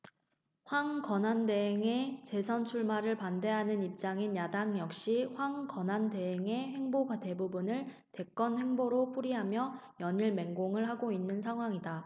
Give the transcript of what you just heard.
황 권한대행의 대선 출마를 반대하는 입장인 야당 역시 황 권한대행의 행보 대부분을 대권행보로 풀이하며 연일 맹공을 하고 있는 상황이다